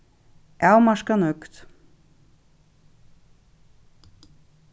avmarkað nøgd